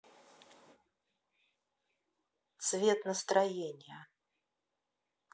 цвет настроения